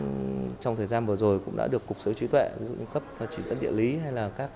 cũng trong thời gian vừa rồi cũng đã được cục xử trí tuệ cấp và chỉ dẫn địa lý hay là các